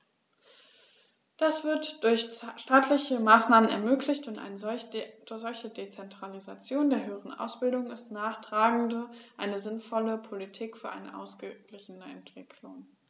Das wird durch staatliche Maßnahmen ermöglicht, und eine solche Dezentralisation der höheren Ausbildung ist nachgerade eine sinnvolle Politik für eine ausgeglichene Entwicklung.